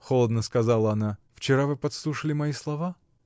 — холодно сказала она, — вчера вы подслушали мои слова.